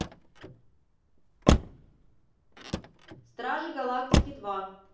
стражи галактики два